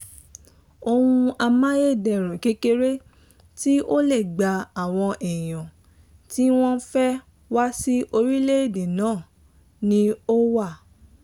Ohun amáyédẹrùn kékeré tí ó lè gba àwọn èèyàn tí wọ́n fẹ́ wá sí orílẹ̀-èdè náà ni ó wà.